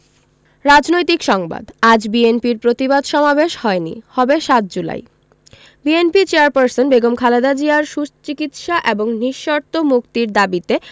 রাজনৈতিক সংবাদ আজ বিএনপির প্রতিবাদ সমাবেশ হয়নি হবে ৭ July BNP chairperson Begum Khaleda জিয়ার সুচিকিৎসা এবং নিঃশর্ত মুক্তির দাবিতে